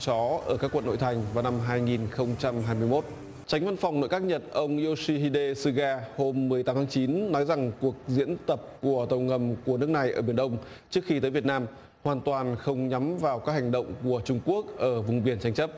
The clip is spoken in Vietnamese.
chó ở các quận nội thành vào năm hai nghìn không trăm hai mươi mốt chánh văn phòng nội các nhật ông y ô si hi đê xư ga hôm mười tám tháng chín nói rằng cuộc diễn tập của tàu ngầm của nước này ở biển đông trước khi tới việt nam hoàn toàn không nhắm vào các hành động của trung quốc ở vùng biển tranh chấp